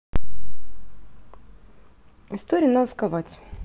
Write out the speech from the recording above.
история надо сковать